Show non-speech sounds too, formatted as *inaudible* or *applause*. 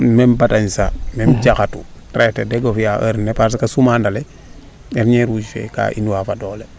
meme batañsa meme jaxatu traiter deg o fiya heure nene parce que a sumana lene *unintelligible* ka inooxa fo doole